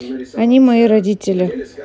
они мои родители